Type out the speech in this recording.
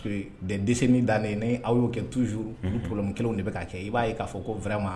Des décennies d'années ni aw y'o kɛ toujours . Unhun. problèmes kelen o de bɛ ka kɛ, i b'a ye k'a fɔ ko vraiment